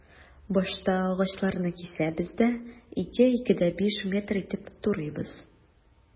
Башта агачларны кисәбез дә, 2-2,5 метр итеп турыйбыз.